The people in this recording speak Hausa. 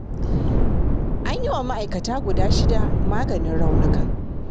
An yiwa ma'aikata guda shida maganin raunuka.